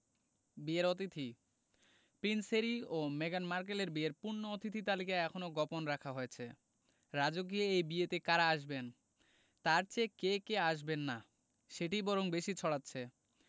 বিয়ের অতিথি prince Harry ও মেগান মার্কেলের বিয়ের পূর্ণ অতিথি তালিকা এখনো গোপন রাখা হয়েছে রাজকীয় এই বিয়েতে কারা আসবেন তার চেয়ে কে কে আসবেন না সেটিই বরং বেশি ছড়াচ্ছে